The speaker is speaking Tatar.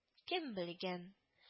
Кем белгән